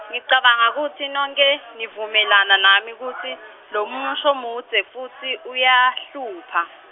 ngicabanga kutsi nonkhe, nivumelana nami kutsi, lomusho mudze futsi, uyahlupha.